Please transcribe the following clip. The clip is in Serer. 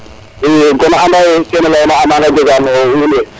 i kon anda ye kene leyona a nanga jega no wiin we